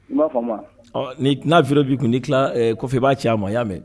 I ma famu wa ? Ɔ na vidéo bi kun ni kila la kɔfɛ i ba ci an ma ya mɛn.